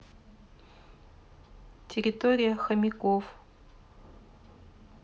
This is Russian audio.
территория хомяков